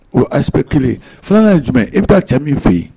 O ap kelen fana ye jumɛn e b'a cɛ min fɛ yen